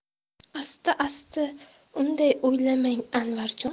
asti asti unday o'ylamang anvarjon